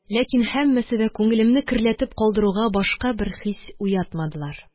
Ләкин һәммәсе дә күңелемне керләтеп калдыруга башка бер хис уятмадылар.